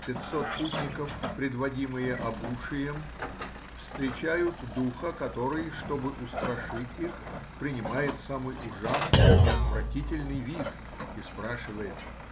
Пятьсот путников, предводимые обушием, встречают духа, который, чтобы устрашить их, принимает самый ужасный и отвратительный вид и спрашивает